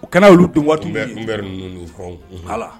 O kɛnɛ olu tunba tun bɛ kunbɛn ninnu ha